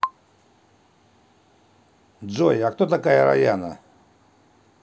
джой а кто такая раяна